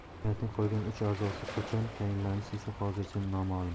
senatning qolgan uch a'zosi qachon tayinlanishi esa hozircha noma'lum